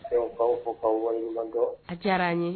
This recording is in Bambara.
Fɛn' fɔ'anw waleɲumandɔn a diyara an n ye